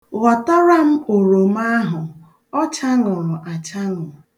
Ghọtara m oroma ahụ, ọ chaṅụrụ achaṅụ.